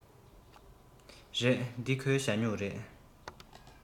རེད འདི ཁོའི ཞ སྨྱུག རེད